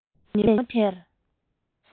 ཟིན པའི ཉིན མོ དེར